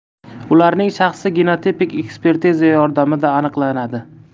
ularning shaxsi genotipik ekspertiza yordamida aniqlanadi